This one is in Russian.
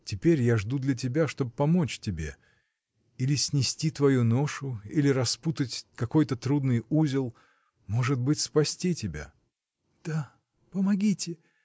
теперь я жду для тебя, чтоб помочь тебе — или снести твою ношу, или распутать какой-то трудный узел, может быть, спасти тебя. — Да, помогите.